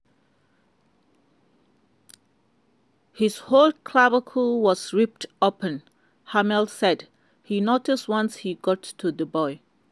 His whole clavicle was ripped open," Hammel said he noticed once he got to the boy.